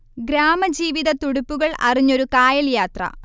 ഗ്രാമജീവിത തുടിപ്പുകൾ അറിഞ്ഞൊരു കായൽ യാത്ര